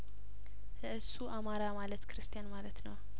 ለእሱ አማራ ማለት ክርስቲያን ማለት ነው